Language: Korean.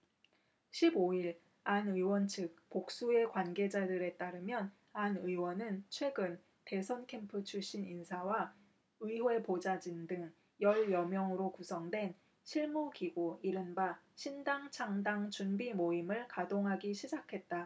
십 오 일 안 의원 측 복수의 관계자들에 따르면 안 의원은 최근 대선캠프 출신 인사와 의회 보좌진 등 열 여명으로 구성된 실무기구 이른바 신당창당준비모임을 가동 하기 시작했다